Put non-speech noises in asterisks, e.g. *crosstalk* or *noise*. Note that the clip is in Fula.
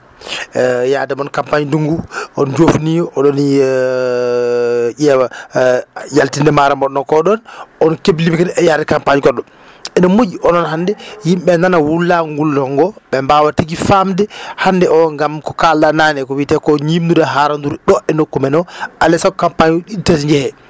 *hesitation* yaade mon campagne ndunngu *hesitation* on joofni oɗon *hesitation* ƴeewa *hesitation* yaltinde maaro mon ɗon koo ɗoon on kebliima kadi e yaade campagne goɗɗo ina moƴƴi onon hannde yimɓe ɓe nana wullaago ngo ngulluɗon ngoo ɓe mbaawa tigi faamde hannde oo ngam ko kaalɗaa naane ko wiyetee koo ñiiɓnude haaranduru ɗo nokku men oo alaa e sago campagne uuji ɗiɗi tati njehee